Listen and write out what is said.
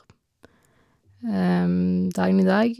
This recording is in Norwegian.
Dagen i dag...